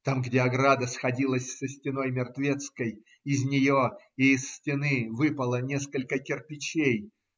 Там, где ограда сходилась со стеной мертвецкой, из нее и из стены выпало несколько кирпичей.